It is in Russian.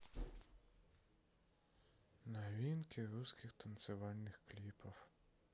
новинки русских танцевальных клипов